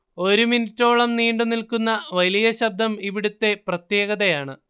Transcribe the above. ഒരു മിനുട്ടോളം നീണ്ടുനിൽക്കുന്ന വലിയ ശബ്ദം ഇവിടുത്തെ പ്രത്യേകതയാണ്